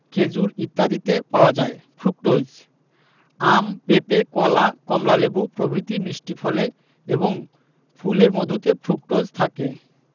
খেজুর ইত্যাদিতে পাওয়া যায় ফ্রুকটোজ আম পেপে কলা কমলালেবু প্রভৃতি মিষ্টি ফলে এবং ফুলের মধুতে ফ্রুকটোজ থাকে